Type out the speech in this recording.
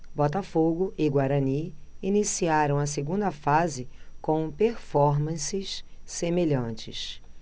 botafogo e guarani iniciaram a segunda fase com performances semelhantes